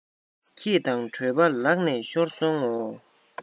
ཁྱི དང གྲོད པ ལག ནས ཤོར སོང ངོ